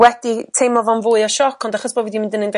wedi teimlo fo'n fwy o sioc ond achos bo' fi 'di mynd yn undeg